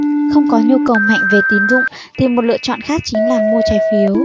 không có nhu cầu mạnh về tín dụng thì một lựa chọn khác chính là mua trái phiếu